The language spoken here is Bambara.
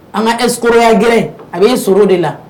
An ka esrya gɛrɛ a bɛ e sɔrɔ de la